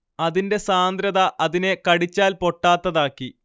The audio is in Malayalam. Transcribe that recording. അതിന്റെ സാന്ദ്രത അതിനെ കടിച്ചാൽ പൊട്ടാത്തതാക്കി